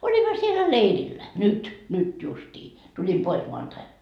olimme siellä leirillä nyt nyt justiin tulin pois maanantaina